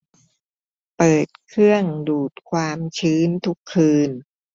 เปิดเครื่องดูดความชื้นทุกคืน